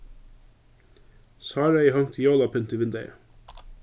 sára hevði hongt jólapynt í vindeygað